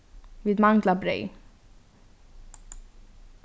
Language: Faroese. vit mangla breyð